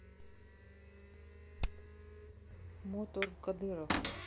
motor кадыров